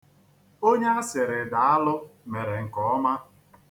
Onye a sịrị daalụ, mere nke ọma.